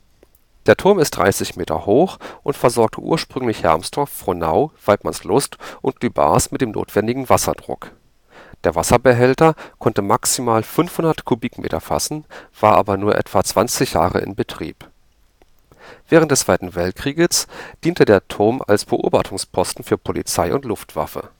Der Turm ist 30 Meter hoch und versorgte ursprünglich Hermsdorf, Frohnau, Waidmannslust und Lübars mit dem notwendigen Wasserdruck. Der Wasserbehälter konnte maximal 500 m³ fassen, war aber nur etwa 20 Jahre in Betrieb. Während des Zweiten Weltkriegs diente der Turm als Beobachtungsposten für Polizei und Luftwaffe